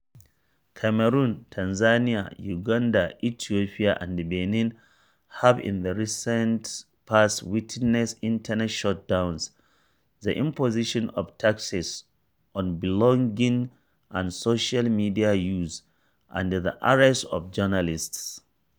Cameroon, Tanzania, Uganda, Ethiopia, Nigeria, and Benin have in the recent past witnessed internet shutdowns, the imposition of taxes on blogging and social media use, and the arrest of journalists.